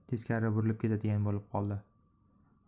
teskari burilib ketadigan bo'lib qoldi